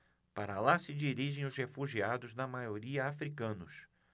para lá se dirigem os refugiados na maioria hútus